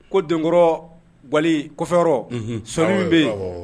Ko donikɔrɔ sɔli kɔfɛyɔrɔ, unhun, sɔnin min bɛ yen